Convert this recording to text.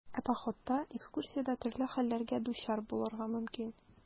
Ә походта, экскурсиядә төрле хәлләргә дучар булырга мөмкин.